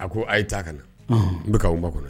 A ko a ye ta a ka na n bɛ kaaw ba kɔnɔ